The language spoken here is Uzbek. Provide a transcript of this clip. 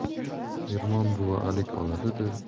ermon buva alik oladi da